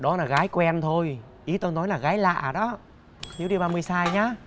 đó là gái quen thôi ý tao nói là gái lạ đó nhớ đi ba mươi sai nhá